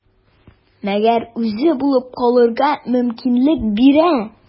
Мәгәр үзе булып калырга мөмкинлек бирә.